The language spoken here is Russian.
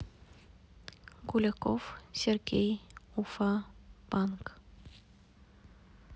гуляков сергей уфа банк